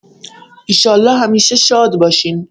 ایشالا همیشه شاد باشین